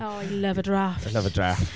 Oh, I love a draft. ...Love a draft.